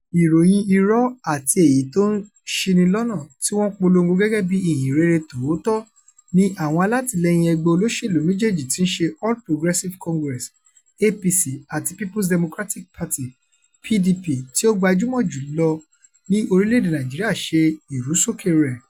Ìròyìn irọ́ àti èyí tó ń ṣinilọ́nà tí wọ́n polongo gẹ́gẹ́ bí ìhìn rere tòótọ́, ni àwọn alátìlẹ́yìn ẹgbẹ́ olóṣèlú méjèèjì tí ń ṣe All Progressive Congress (APC) àti People's Democratic Party (PDP) tí ó gbajúmọ̀ jù lọ ní orílẹ̀-èdèe Nàìjíríà ṣe ìrúsókè rẹ̀.